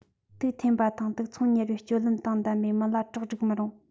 དུག འཐེན པ དང དུག ཚོང གཉེར བའི སྤྱོད ལམ དང ལྡན པའི མི ལ གྲོགས སྒྲིག མི རུང